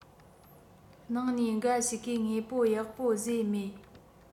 ནང ནས འགའ ཞིག གིས དངོས པོ ཡག པོ བཟོས མེད